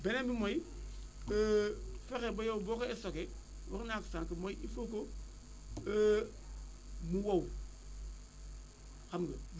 beneen bi mooy fexe ba yow boo koy stocké wax naa ko sànq mooy il faut que mu wow xam nga